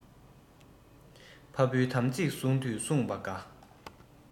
ཕ བུའི དམ ཚིག བསྲུང དུས བསྲུངས པ དགའ